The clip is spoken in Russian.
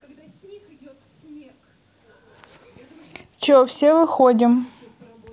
че все выходим